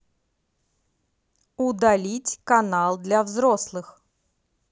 удалить канал для взрослых